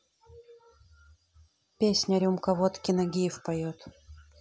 песня рюмка водки нагиев поет